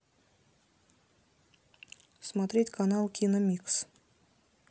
смотреть канал киномикс